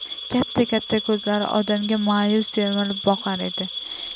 katta katta ko'zlari odamga mayus termilib boqar edi